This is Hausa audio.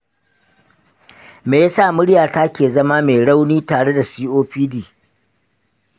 me yasa muryata ke zama me rauni tare da copd?